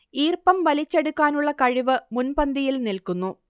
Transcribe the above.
ഈർപ്പം വലിച്ചെടുക്കാനുളള കഴിവ് മുൻപന്തിയിൽ നിൽക്കുന്നു